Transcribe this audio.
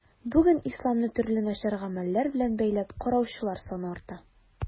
Бүген исламны төрле начар гамәлләр белән бәйләп караучылар саны арта.